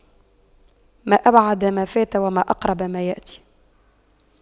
ما أبعد ما فات وما أقرب ما يأتي